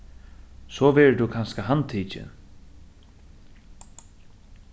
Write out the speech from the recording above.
so verður tú kanska handtikin